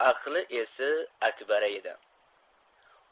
aqli esi akbara edi